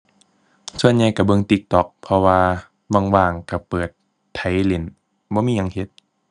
ส่วนใหญ่ก็เบิ่ง TikTok เพราะว่าว่างว่างก็เปิดไถเล่น บ่มีหยังเฮ็ด